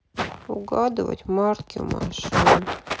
угадывать марки машин